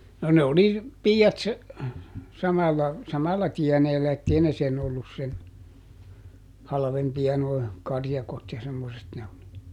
no ne oli piiat samalla samalla tieneellä että ei ne sen ollut sen halvempia nuo karjakot ja semmoiset -